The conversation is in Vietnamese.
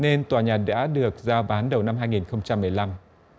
nên tòa nhà đã được rao bán đầu năm hai nghìn không trăm mười lăm